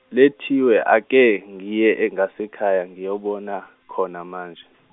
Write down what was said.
lethiwe ake ngiye ngasekhaya ngiyobona khona manje.